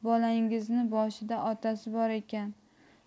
bolangizni boshida otasi bor ekan